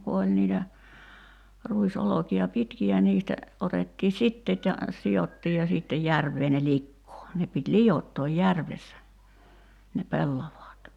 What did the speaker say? kun oli niitä ruisolkia pitkiä niistä otettiin siteet ja sidottiin ja sitten järveen ne likoon ne piti liottaa järvessä ne pellavat